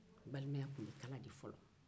balimaya tun bɛ kala de fɔlɔ